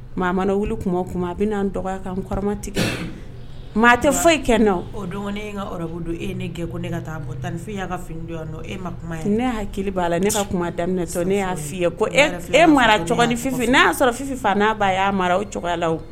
Maa mana wili kuma kuma a bɛan tɔgɔ kan n kɔrɔmatigi maa tɛ foyi kɛ na o dɔgɔnin kabu don e ne kɛ ko ne ka taafin' ka e ma kuma ne' hakili b'a la ne ka kuma daminɛ sɔn ne y'a fɔ i ye e e marafin ne y'a sɔrɔ fifin faga n'a ba'a mara o cogoya la